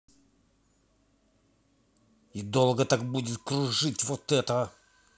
и долго так будет кружить вот это